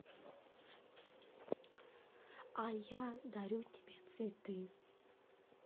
а я дарю тебе цветы